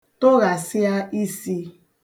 tụghàsịa isī